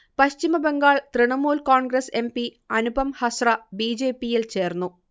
Paschim Bangal Trinamool Congress MP Anupam Hazra ബിജെപിയിൽ ചേർന്നു